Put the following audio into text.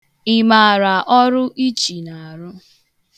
Ị maara ọrụ ichi na-arụ?